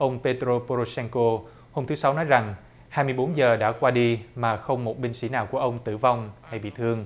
ông tê tờ rô pô rô seng cô hôm thứ sáu nói rằng hai mươi bốn giờ đã qua đi mà không một binh sĩ nào của ông tử vong hay bị thương